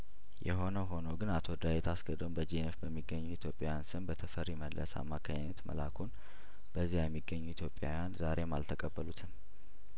የሆነ ሆኖ ግን አቶ ዳዊት አስገዶም በጄኔቭ በሚገኙ ኢትዮጵያዊያን ስም በተፈሪ መለስ አማካኝነት መላኩን በዚያ የሚገኙ ኢትዮጵያዊያን ዛሬም አልተቀበሉትም